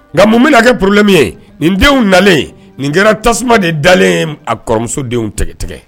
Nka mun bɛna kɛ problème ye, nin denw nalen nin kɛra tasuma de dalen ye a kɔrɔmusodenw tigɛ tigɛ.